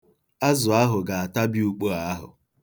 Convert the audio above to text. Azụ ahụ ga-atabi ukpoo ahụ.